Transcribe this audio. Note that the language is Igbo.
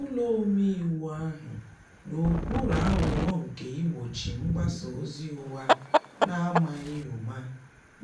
Ụlọ omeiwu ahụ, n'okpuru aghụghọ nke igbochi mgbasa ozi ụgha n'amaghị ụma